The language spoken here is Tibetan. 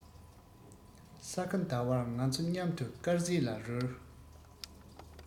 ས ག ཟླ བར ང ཚོ མཉམ དུ དཀར ཟས ལ རོལ